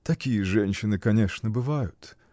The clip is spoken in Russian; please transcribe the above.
) Такие женщины, конечно, бывают.